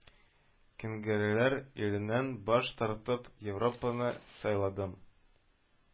Көнгерәләр иленнән баш тартып, европаны сайладым